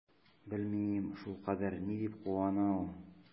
Белмим, шулкадәр ни дип куана ул?